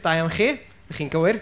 Da iawn chi, chi'n gywir.